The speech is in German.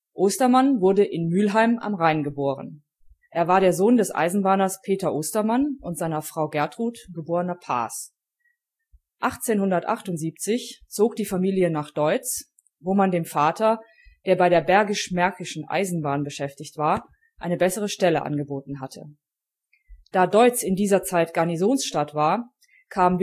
Ostermann wurde in Mülheim am Rhein geboren. Er war der Sohn des Eisenbahners Peter Ostermann und seiner Frau Gertrud, geb. Paas. 1878 zog die Familie nach Deutz, wo man dem Vater, der bei der Bergisch-Märkischen Eisenbahn beschäftigt war, eine bessere Stelle angeboten hatte. Da Deutz in dieser Zeit Garnisonsstadt war, kam